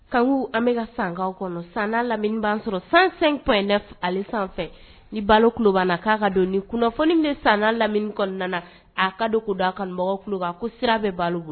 Kanku an bɛka ka sankaw kɔnɔ san lamini' sɔrɔ san ale sanfɛ ni balo kuba k'a ka don nin kunnafoni bɛ san lamini kɔnɔna kɔnɔna na a ka ko don' a kanmɔgɔba ko sira bɛ balo bɔ